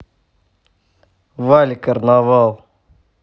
вали карнавал